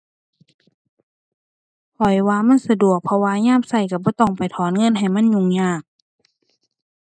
ข้อยว่ามันสะดวก เพราะว่ายามใช้ใช้บ่ต้องไปถอนเงินให้มันยุ่งยาก